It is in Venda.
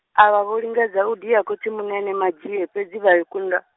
avha vho lingedza u dia khotsimunene Madzhie fhedzi vha kundwa.